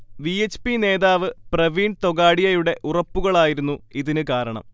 V. H. P. നേതാവ് പ്രവീൺ തൊഗാഡിയയുടെ ഉറപ്പുകളായിരുന്നു ഇതിന് കാരണം